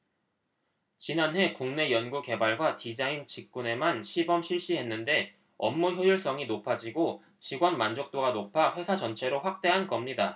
지난해 국내 연구개발과 디자인 직군에만 시범 실시했는데 업무 효율성이 높아지고 직원 만족도가 높아 회사 전체로 확대한 겁니다